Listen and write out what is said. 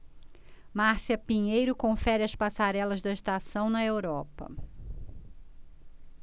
márcia pinheiro confere as passarelas da estação na europa